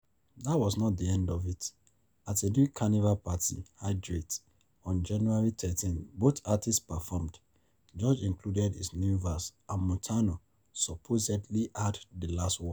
That was not the end of it: at a new Carnival party, "Hydrate", on January 13, both artists performed. George included his new verse and Montano supposedly had the last word: